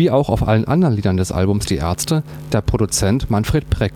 auch auf allen anderen Liedern des Albums „ Die Ärzte “Bass spielte